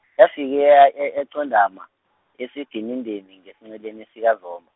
yafike ya- ya- yaqondama, esiginindeni, ngesinceleni sikaZomba.